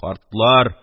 Картлар,